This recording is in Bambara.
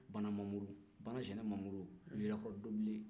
banamamuru banasɛnɛ mamuru leyilakɔrɔdobilen